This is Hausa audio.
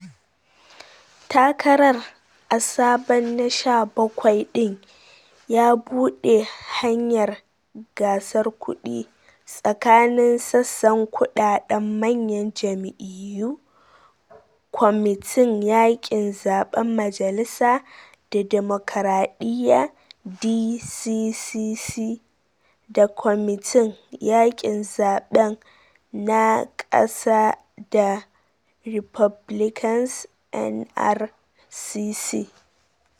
Takarar a sabon na 17 ɗin ya buɗe hanyar gasar kuɗi tsakanin sassan kuɗaɗen manyan jam’iyu, Kwamitin Yakin Zaben Majalisa na Damokraɗiya (DCCC) da Kwamitin Yakin Zaben na Kasa na Republicans (NRCC).